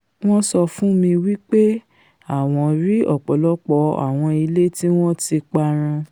Wọ́n sọ fún mi wí pé àwọn rí ọ̀pọ̀lọpọ̀ àwọn ilé tí wọn ti parun.